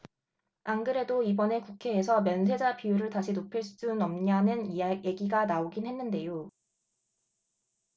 안 그래도 이번에 국회에서 면세자 비율을 다시 높일 순 없냐는 얘기가 나오긴 했는데요